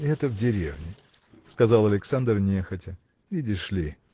это в деревне, – сказал Александр нехотя. – Видишь ли?